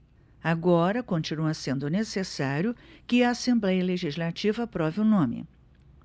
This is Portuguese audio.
agora continua sendo necessário que a assembléia legislativa aprove o nome